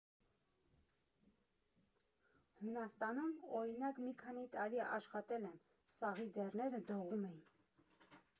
Հունաստանում, օրինակ, մի քանի տարի աշխատել եմ՝ սաղի ձեռները դողում էին։